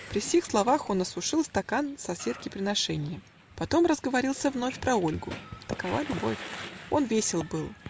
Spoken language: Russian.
- При сих словах он осушил Стакан, соседке приношенье, Потом разговорился вновь Про Ольгу: такова любовь! Он весел был.